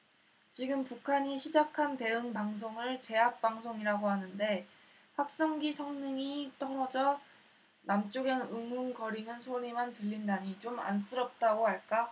지금 북한이 시작한 대응 방송을 제압방송이라고 하는데 확성기 성능이 떨어져 남쪽엔 웅웅거리는 소리만 들린다니 좀 안쓰럽다고 할까